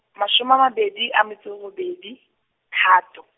mashome a mabedi a metso e robedi Phato.